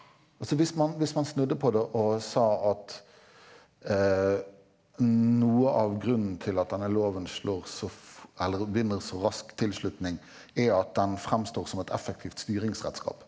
altså hvis man hvis man snudde på det og sa at noe av grunnen til at denne loven slår så eller vinner så rask tilslutning er at den fremstår som et effektivt styringsredskap.